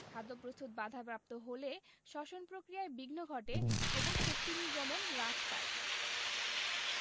খাদ্যপ্রস্তুত বাধাপ্রাপ্ত হলে শ্বসন প্রক্রিয়ায় বিঘ্ন ঘটে এবং শক্তি নির্গমন হ্রাস পায়